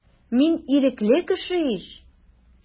Мин ирекле кеше ич.